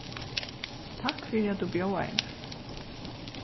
takk fyri at tú bjóðaði mær